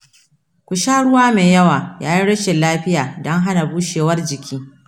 ku sha ruwa mai yawa yayin rashin lafiya don hana bushewar jiki .